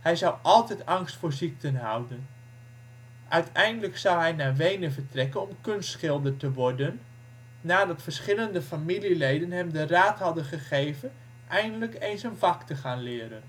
Hij zou altijd angst voor ziekten houden. Uiteindelijk zou hij naar Wenen vertrekken om kunstschilder te worden, nadat verschillende familieleden hem de raad hadden gegeven eindelijk eens een vak te gaan leren